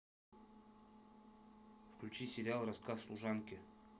включи сериал рассказ служанки